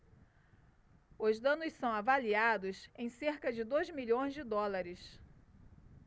os danos são avaliados em cerca de dois milhões de dólares